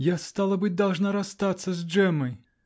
-- Я, стало быть, должна расстаться с Джеммой!